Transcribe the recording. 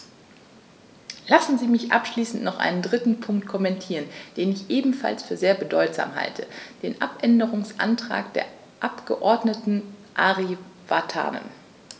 Lassen Sie mich abschließend noch einen dritten Punkt kommentieren, den ich ebenfalls für sehr bedeutsam halte: den Abänderungsantrag des Abgeordneten Ari Vatanen.